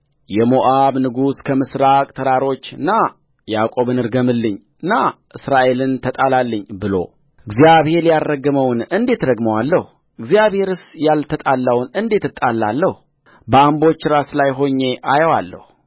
የሞዓብ ንጉሥ ከምሥራቅ ተራሮችና ያዕቆብን ርገምልኝና እስራኤልን ተጣላልኝ ብሎእግዚአብሔር ያልረገመውን እንዴት እረግማለሁ በአምቦች ራስ ላይ ሆኜ አየዋለሁ